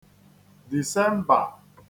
Dìsẹmba